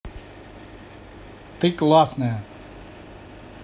ты классная